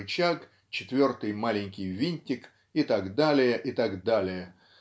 рычаг, четвертый маленький винтик и т. д. и т. д.